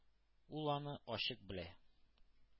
Ул аны ачык белә.